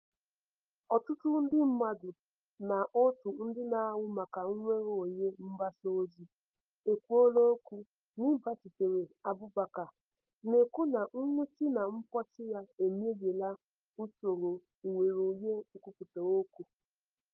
Ọtụtụ ndị mmadụ na òtù ndị na-ahụ maka nnwereonwe mgbasaozi ekwuola okwu n'ịgbachitere Abubacar, na-ekwu na nwụchi na mkpọchi ya emebiela usoro nnwereonwe nkwupụta okwu.